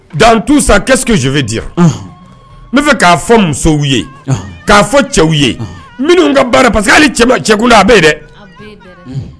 Dans tous ça, qu'est ce que je veux dire ? Unhun . N bi fɛ ka fɔ musow ye, ka fɔ cɛw ye minnu ka baara parceque hali cɛkun da a be yen dɛ.